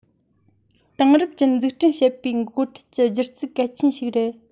དེང རབས ཅན འཛུགས སྐྲུན བྱེད པའི འགོ ཁྲིད ཀྱི སྒྱུ རྩལ གལ ཆེན ཞིག རེད